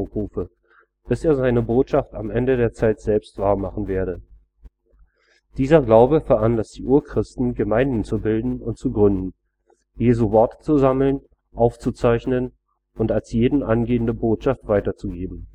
rufe, bis er seine Botschaft am Ende der Zeit selbst wahr machen werde. Dieser Glaube veranlasste die Urchristen Gemeinden zu bilden und zu gründen, Jesu Worte zu sammeln, aufzuzeichnen und als jeden angehende Botschaft weiterzugeben